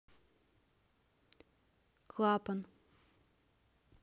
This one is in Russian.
клапан